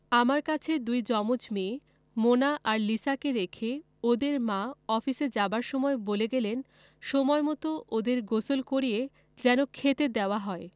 আমার কাছে দুই জমজ মেয়ে মোনা আর লিসাকে রেখে ওদের মা অফিসে যাবার সময় বলে গেলেন সময়মত ওদের গোসল করিয়ে যেন খেতে দেওয়া হয়